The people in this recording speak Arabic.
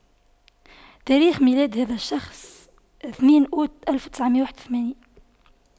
تاريخ ميلاد هذا الشخص اثنين أوت ألف وتسعمئة وواحد وثمانين